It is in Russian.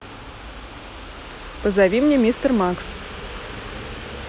позови мне мистер макс